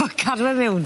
O cadw fe fewn.